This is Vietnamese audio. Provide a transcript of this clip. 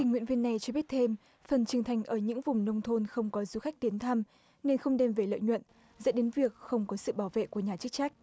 tình nguyện viên này cho biết thêm phần trình thành ở những vùng nông thôn không có du khách đến thăm nên không đem về lợi nhuận dẫn đến việc không có sự bảo vệ của nhà chức trách